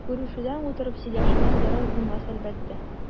Күрешүдән, утырып сөйләшүдән зарар булмас әлбәттә.